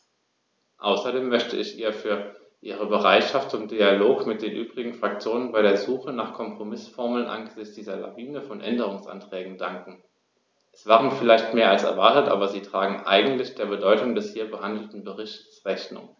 Außerdem möchte ich ihr für ihre Bereitschaft zum Dialog mit den übrigen Fraktionen bei der Suche nach Kompromißformeln angesichts dieser Lawine von Änderungsanträgen danken; es waren vielleicht mehr als erwartet, aber sie tragen eigentlich der Bedeutung des hier behandelten Berichts Rechnung.